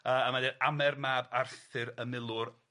Yy a mae deu Amer mab Arthur y milwr,